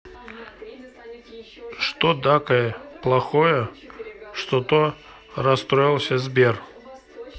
что дакое плохое что то расстроился сбер